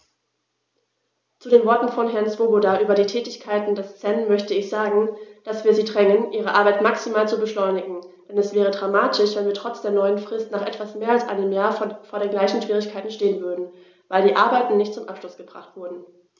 Zu den Worten von Herrn Swoboda über die Tätigkeit des CEN möchte ich sagen, dass wir sie drängen, ihre Arbeit maximal zu beschleunigen, denn es wäre dramatisch, wenn wir trotz der neuen Frist nach etwas mehr als einem Jahr vor den gleichen Schwierigkeiten stehen würden, weil die Arbeiten nicht zum Abschluss gebracht wurden.